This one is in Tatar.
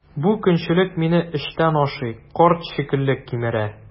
Бу көнчелек мине эчтән ашый, корт шикелле кимерә.